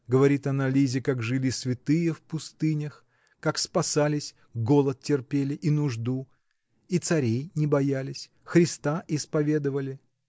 говорит она Лизе, как жили святые в пустынях, как спасались, голод терпели и нужду, -- и царей не боялись, Христа исповедовали